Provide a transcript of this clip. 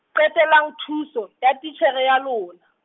qetellang thuso, ya titjhere ya lona.